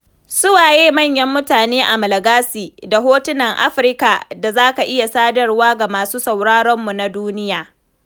Su waye manyan mutane a Malagasy da Hotunan Afirka da za ka iya sadarwa ga masu sauraronmu na duniya?